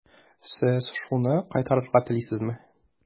Сез шуны кайтарырга телисезме?